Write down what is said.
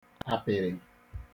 àpị̀rị̀